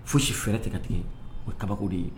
Fosi fɛrɛɛrɛ tigɛ tigɛ o tako de ye